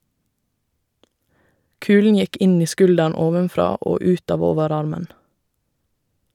Kulen gikk inn i skulderen ovenfra og ut av overarmen.